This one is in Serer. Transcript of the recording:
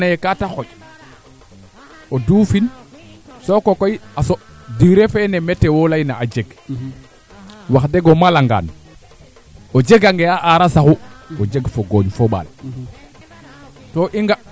kaaga si a naanga jega kañ no xaa ando naye kaa njufit a betandax meteo meteo a waaga ngo leyoonge par exemple farno foo zone fe litoral fee